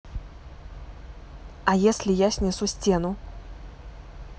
а если я снесу стену